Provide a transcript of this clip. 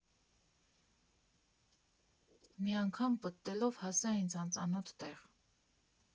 Մի անգամ պտտվելով հասա ինձ անծանոթ տեղ։